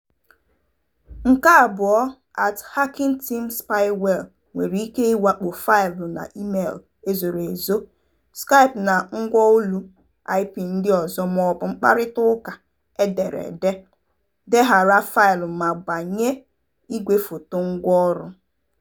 2- @hackingteam spyware nwere ike ịwakpo faịlụ na imeelụ e zoro ezo, Skype na Ngwá olu IP ndị ọzọ maọbụ mkparịtaụkaụka ederede, deghara faịlụ ma gbanye igwefoto ngwaọrụ.